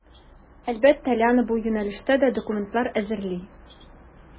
Әлбәттә, Лиана бу юнәлештә дә документлар әзерли.